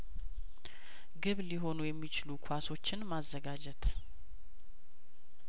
ግብ ሊሆኑ የሚችሉ ኳሶችን ማዘጋጀት